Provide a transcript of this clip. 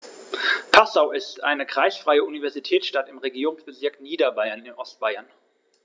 Passau ist eine kreisfreie Universitätsstadt im Regierungsbezirk Niederbayern in Ostbayern.